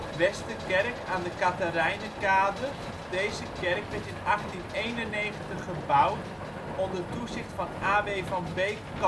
Westerkerk aan de Catharijnekade. Deze kerk werd in 1891 gebouwd onder toezicht van A.W. van Beeck